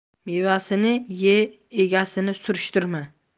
mevasini ye egasini surishtirma